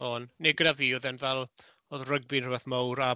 O'n... Neu gyda fi oedd o'n fel, oedd rygbi'n rhywbeth mowr.